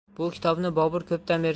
bu kitobni bobur ko'pdan beri